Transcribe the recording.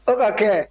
o ka kɛ